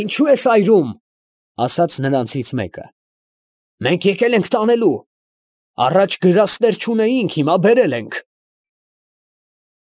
Ինչո՞ւ ես այրում, ֊ ասաց նրանցից մեկը, ֊ մենք եկել ենք տանելու. առաջ գրաստներ չունեինք, հիմա բերել ենք։ ֊